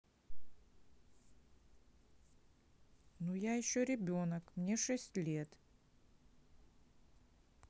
ну я еще ребенок мне шесть лет